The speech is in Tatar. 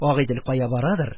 Агыйдел кая барадыр